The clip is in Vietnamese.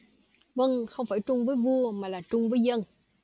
vâng không phải trung với vua mà là trung với dân